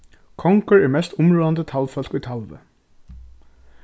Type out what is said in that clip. kongur er mest umráðandi talvfólk í talvi